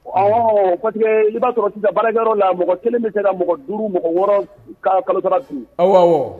Ɔwɔ i b'a sɔrɔ sisan baarakɛyɔrɔ la mɔgɔ kelen bɛ tɛna mɔgɔ duuru mɔgɔ wɔɔrɔ ka kalosara bi aw